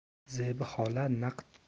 zebi xola naqd